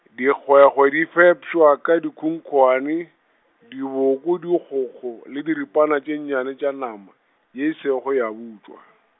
digwegwe di fepša ka dikhunkhwane, diboko, digokgo, le diripana tše nnyane tša nama, ye sego ya butšwa.